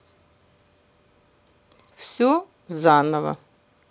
все заново